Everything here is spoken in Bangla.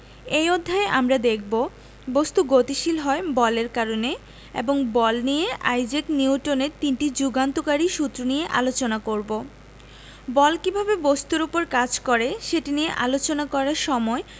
এই অধ্যায়ে আমরা দেখব বস্তু গতিশীল হয় বলের কারণে এবং বল নিয়ে আইজাক নিউটনের তিনটি যুগান্তকারী সূত্র নিয়ে আলোচনা করব বল কীভাবে বস্তুর উপর কাজ করে সেটি নিয়ে আলোচনা করার সময়